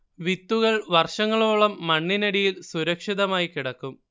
വിത്തുകൾ വർഷങ്ങളോളം മണ്ണിനടിയിൽ സുരക്ഷിതമായി കിടക്കും